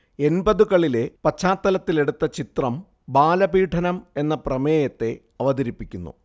എൺപതുകളിലെ പശ്ചാത്തലത്തിലെടുത്ത ചിത്രം ബാലപീഡനം എന്ന പ്രമേയത്തെ അവതരിപ്പിക്കുന്നു